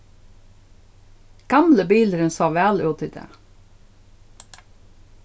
gamli bilurin sá væl út í dag